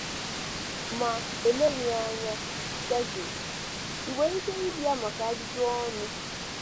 Ma eleghị anya, Sergey, ị nwere ike ị bịa maka ajụjụọnụ?